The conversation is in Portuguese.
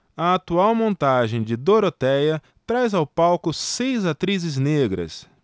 a atual montagem de dorotéia traz ao palco seis atrizes negras